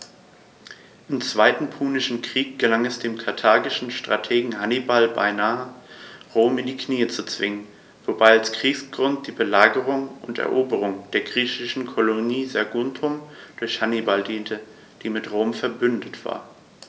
Im Zweiten Punischen Krieg gelang es dem karthagischen Strategen Hannibal beinahe, Rom in die Knie zu zwingen, wobei als Kriegsgrund die Belagerung und Eroberung der griechischen Kolonie Saguntum durch Hannibal diente, die mit Rom „verbündet“ war.